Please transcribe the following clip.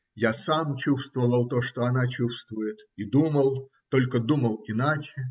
Я сам чувствовал то, что она чувствует и думает, только думал иначе.